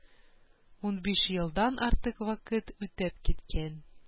Унбиш елдан артык вакыт үтеп киткән